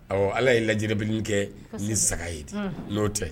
Ɔ ala ye lajɛele kɛ ni saga ye n'o tɛ